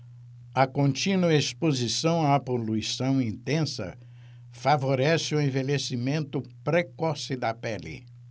a contínua exposição à poluição intensa favorece o envelhecimento precoce da pele